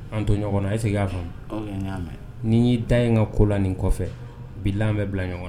An to ɲɔgɔn e segin y'a sɔn n'i y'i da in ka ko la nin kɔfɛ bi bɛ bila ɲɔgɔn